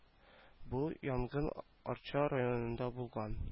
Бу янгын арча районында булган